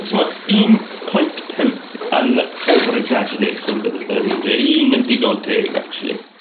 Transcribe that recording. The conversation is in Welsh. t'mod un point pump yn over exageration bydde- bydden i'n dweud un yn digon teg actually